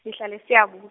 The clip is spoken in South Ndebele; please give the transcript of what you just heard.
ngihlala eSiyabu-.